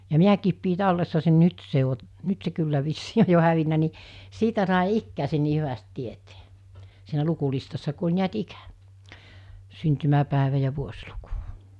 ja minäkin pidin tallessa sen nyt se - nyt se kyllä vissiin on jo hävinnyt niin siitä sai ikänsä niin hyvästi tietää siinä lukulistassa kun oli näet ikä syntymäpäivä ja vuosiluku